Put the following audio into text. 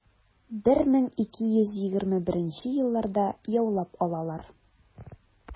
1221 елларда яулап алалар.